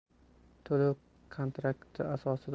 to'lov kontrakt asosida